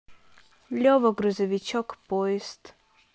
лева грузовичок поезд